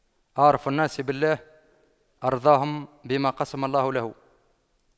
أعرف الناس بالله أرضاهم بما قسم الله له